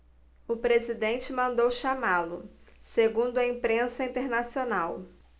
o presidente mandou chamá-lo segundo a imprensa internacional